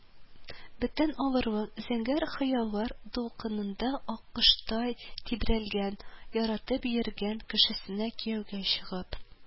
Бөтен авырлык зәңгәр хыяллар дулкынында аккоштай тибрәлгән, яратып йөргән кешесенә кияүгә чыгып,